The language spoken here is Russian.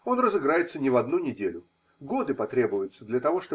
Он разыграется не в одну неделю, годы потребуются для того.